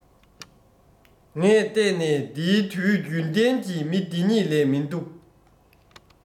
ངས ལྟས ནས འདིའི དུ རྒྱུན ཏན གྱི མི འདི གཉིས ལས མི འདུག